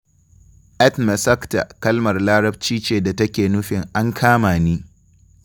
Etmasakta kalmar Larabci ce da take nufin ''An kama ni''.